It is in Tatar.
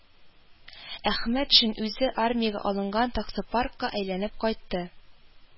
Әхмәтшин үзе армиягә алынган таксопаркка әйләнеп кайтты